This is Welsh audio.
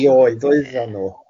...i oed oedda nhw